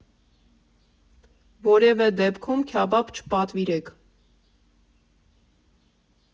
Որևէ դեպքում քյաբաբ չպատվիրեք.